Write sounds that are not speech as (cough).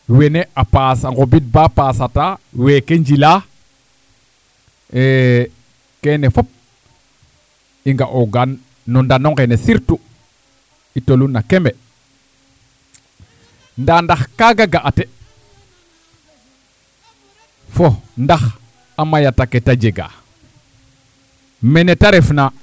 wene a paas a nqobid baa pasata weeke njila (hesitation) keene fop i nga'oogaan no ndan ongene surtout i toluna keme ndaa ndax kaaga ga'ate fo ndax a mayata keeta jega meene ta refna